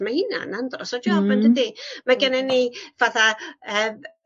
mae hynna'n andros o job yndydi? Mae gennon ni fatha yym